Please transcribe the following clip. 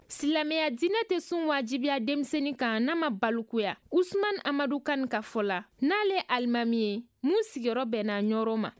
silamɛya diinɛ tɛ sun wajibiya denmisɛnnin kan n'a ma balikuya usman amadu kane ka fɔ la n'ale ye alimami ye min sigiyɔrɔ bɛnna ɲɔrɔ ma